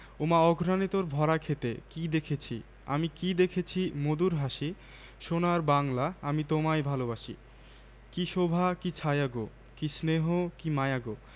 ওমা অঘ্রানে তোর ভরা ক্ষেতে কী দেখসি আমি কী দেখেছি মধুর হাসি সোনার বাংলা আমি তোমায় ভালোবাসি কী শোভা কী ছায়া গো কী স্নেহ কী মায়া গো